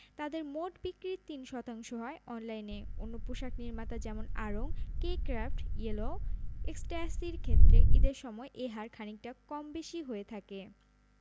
তাঁদের মোট বিক্রির ৩ শতাংশ হয় অনলাইনে অন্য পোশাক নির্মাতা যেমন আড়ং কে ক্র্যাফট ইয়েলো এক্সট্যাসির ক্ষেত্রে ঈদের সময় এ হার খানিকটা কম বেশি হয়ে থাকে